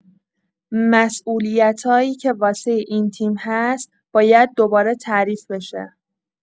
مسئولیتایی که واسه این تیم هست باید دوباره تعریف بشه.